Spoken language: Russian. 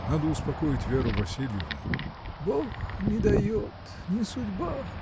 Надо успокоить Веру Васильевну. — Бог не дает, не судьба!